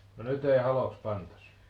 no nyt ei haloksi pantaisi